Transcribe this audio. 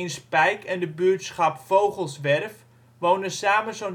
Spijk en de buurtschap Vogelswerf wonen samen zo